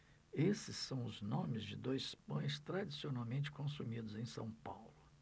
esses são os nomes de dois pães tradicionalmente consumidos em são paulo